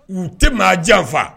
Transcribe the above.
U tɛ maa janfa